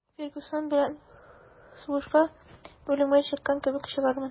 «фергюсон белән сугышка үлемгә чыккан кебек чыгармын»